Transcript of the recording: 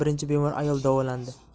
birinchi bemor ayol davolandi